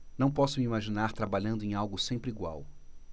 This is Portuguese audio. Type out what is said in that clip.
não posso me imaginar trabalhando em algo sempre igual